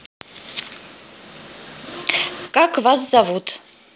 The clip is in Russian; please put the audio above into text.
как вас зовут